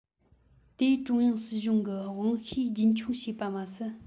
དེས ཀྲུང དབྱང སྲིད གཞུང གི དབང ཤེད རྒྱུན འཁྱོངས བྱས པ མ ཟད